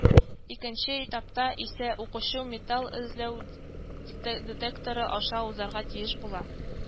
Икенче этапта исә укучы металл эзләү детекторы аша узарга тиеш була